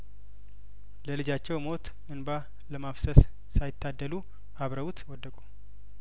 ለልጃቸው ሞት እንባ ለማፍሰስ ሳይታደሉ አብረውት ወደቁ